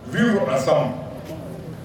V asa